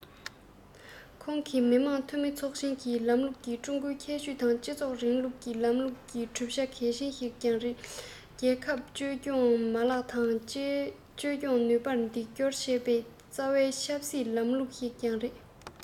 ཁོང གིས མི དམངས འཐུས མི ཚོགས ཆེན གྱི ལམ ལུགས ནི ཀྲུང གོའི ཁྱད ཆོས ཀྱི སྤྱི ཚོགས རིང ལུགས ལམ ལུགས ཀྱི གྲུབ ཆ གལ ཆེན ཞིག རེད ལ ཀྲུང གོའི རྒྱལ ཁབ བཅོས སྐྱོང མ ལག དང བཅོས སྐྱོང ནུས པར འདེགས སྐྱོར བྱེད པའི རྩ བའི ཆབ སྲིད ལམ ལུགས ཤིག ཀྱང རེད